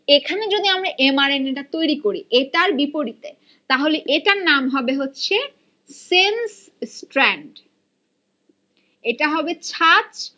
এখানে যদি আমরা এম আর এন এ টা তৈরি করি এটার বিপরীতে তাহলে এটার নাম হবে হচ্ছে সেন্স স্ট্র্যান্ড এটা হবে ছাঁচ